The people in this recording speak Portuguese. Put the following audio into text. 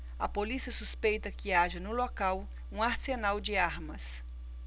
a polícia suspeita que haja no local um arsenal de armas